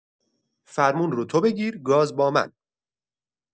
فرمون رو تو بگیر، گاز با من!